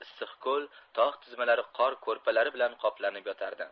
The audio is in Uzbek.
issiqko'l tog' tizmalari qor ko'rpalari bilan qoplanib yotardi